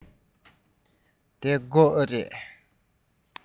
འདི སྒོ རེད པས